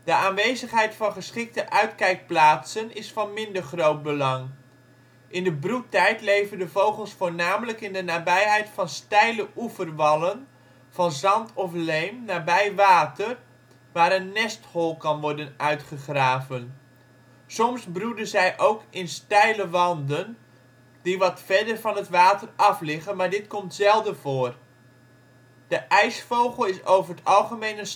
aanwezigheid van geschikte uitkijkplaatsen is van minder groot belang. In de broedtijd leven de vogels voornamelijk in de nabijheid van steile oeverwallen van zand of leem nabij water, waar een nesthol kan worden uitgegraven. Soms broeden zij ook in steile wanden die wat verder van het water afliggen, maar dit komt zelden voor. De ijsvogel is over het algemeen een standvogel